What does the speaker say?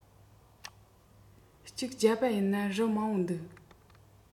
གཅིག རྒྱབ པ ཡིན ན རུ མང པོ འདུག